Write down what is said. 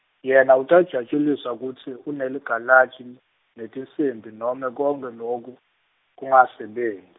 yena utawujatjuliswa kutsi, uneligalaji, netinsimbi nome konkhe loku, kungasebent-.